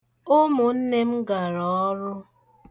Ụmụnne m gara ọrụ.